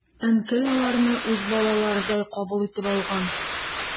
Әнкәй аларны үз балаларыдай кабул итеп алган.